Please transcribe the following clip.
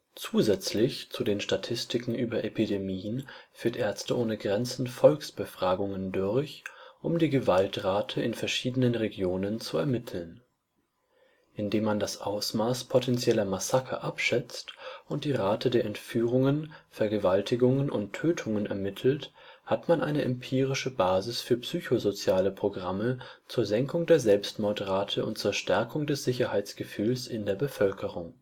Zusätzlich zu den Statistiken über Epidemien führt Ärzte ohne Grenzen Volksbefragungen durch, um die Gewaltrate in verschiedenen Regionen zu ermitteln. Indem man das Ausmaß potentieller Massaker abschätzt und die Rate der Entführungen, Vergewaltigungen und Tötungen ermittelt, hat man eine empirische Basis für psychosoziale Programme zur Senkung der Selbstmordrate und zur Stärkung des Sicherheitsgefühls in der Bevölkerung